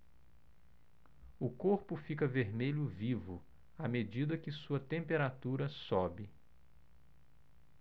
o corpo fica vermelho vivo à medida que sua temperatura sobe